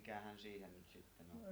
mikähän siihen nyt sitten on